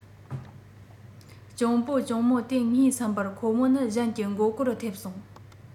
གཅུང པོ གཅུང མོ སྟེ ངའི བསམ པར ཁོ མོ ནི གཞན གྱི མགོ སྐོར ཐེབས སོང